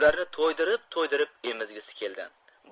ularni to'ydirib to'ydirib emizgisi keldi